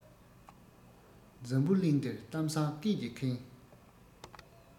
འཛམ བུ གླིང འདིར གཏམ བཟང སྐད ཀྱིས ཁེངས